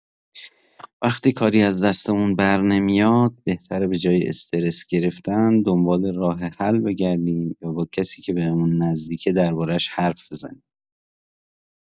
وقتی کاری از دستمون برنمیاد، بهتره به‌جای استرس گرفتن، دنبال راه‌حل بگردیم یا با کسی که بهمون نزدیکه، درباره‌اش حرف بزنیم.